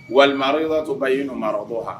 Wa mariratu bayinu marrdua